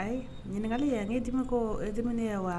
Ayi ɲininkali ya ni dimi ko ye dimi ni ye wa?